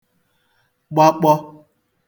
gbakpọ